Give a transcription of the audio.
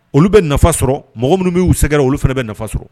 Olu bɛ nafa sɔrɔ mɔgɔ minnu b bɛ'u segɛrɛ olu fana bɛ nafa sɔrɔ